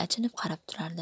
achinib qarab turardi